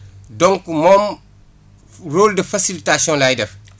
donc moom rôle de facilitation lay def